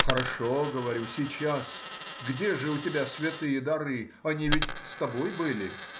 — Хорошо,— говорю,— сейчас; где же у тебя святые дары,— они ведь с тобой были?